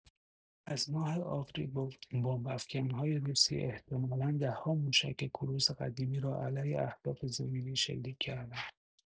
از ماه آوریل، بمب افکن‌های روسی احتمالا ده‌ها موشک کروز قدیمی را علیه اهداف زمینی شلیک کرده‌اند.